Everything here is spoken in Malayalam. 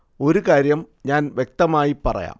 ഒരു കാര്യം ഞാൻ വ്യക്തമായി പറയാം